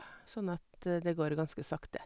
Sånn at det går ganske sakte.